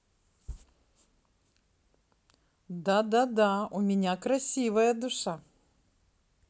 да да да у меня красивая душа